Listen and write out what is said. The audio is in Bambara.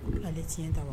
Ko k'ale tiɲɛ ta wa